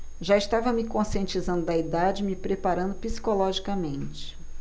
já estava me conscientizando da idade e me preparando psicologicamente